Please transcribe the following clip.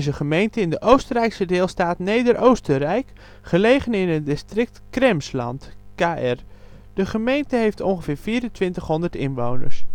gemeente in de Oostenrijkse deelstaat Neder-Oostenrijk, gelegen in het district Krems-Land (KR). De gemeente heeft ongeveer 2.400 inwoners